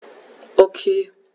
Okay.